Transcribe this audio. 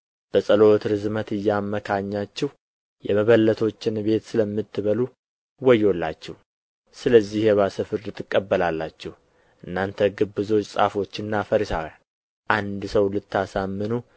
በጸሎት ርዝመት እያመካኛችሁ የመበለቶችን ቤት ስለምትበሉ ወዮላችሁ ስለዚህ የባሰ ፍርድ ትቀበላላችሁ እናንተ ግብዞች ጻፎችና ፈሪሳውያን አንድ ሰው ልታሳምኑ